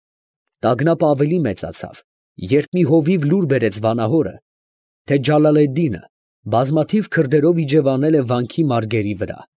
Տագնապը ավելի մեծացավ, երբ մի հովիվ լուր բերեց վանահորը, թե Ջալալեդդինը բազմաթիվ քրդերով իջևանել է վանքի մարգերի վրա։